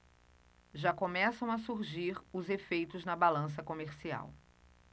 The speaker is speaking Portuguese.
já começam a surgir os efeitos na balança comercial